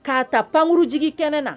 K'a ta pankkuruuru jigin kɛnɛ na